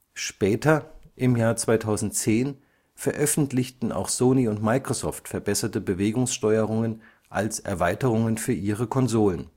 Später, im Jahr 2010, veröffentlichten auch Sony und Microsoft verbesserte Bewegungssteuerungen als Erweiterungen für ihre Konsolen